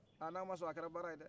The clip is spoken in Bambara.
aa n'aw ma sɔn a kɛra baara ye dɛ